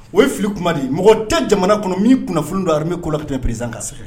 O ye fili kuma de ye mɔgɔ tɛ jamana kɔnɔ min kunnafoninen don armée ko la ka tɛmɛ président kan